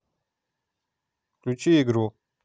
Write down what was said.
включить игру